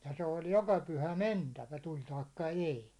ja se oli joka pyhä mentävä tuli tai ei